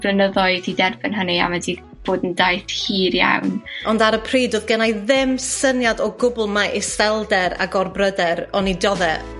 blynyddoedd i derbyn hynny a ma' 'di bod yn daith hir iawn. Ond ar y pryd do'dd gennai ddim syniad o gwbwl ma' iselder a gorbryder o'n i'n diodde.